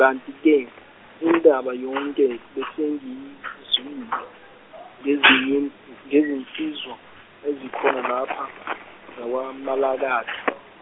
kanti ke indaba yonke besengiyizwile ngeziny- ngezinsizwa ezikhona lapha zakwaMalakatha.